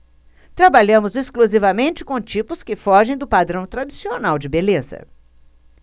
trabalhamos exclusivamente com tipos que fogem do padrão tradicional de beleza